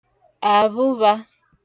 àbhụbhā